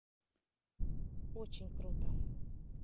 очень круто